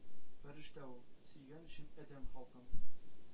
Фәрештә ул; сөйгән өчен адәм халкын,